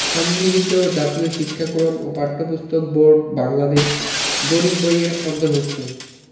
সংগৃহীত জাতীয় শিক্ষাক্রম ও পাঠ্যপুস্তক বোর্ড বাংলাদেশ গণিত বই-এর অন্তর্ভুক্ত